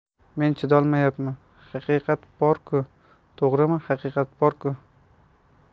men chidolmayapman haqiqat bor ku to'g'rimi haqiqat borku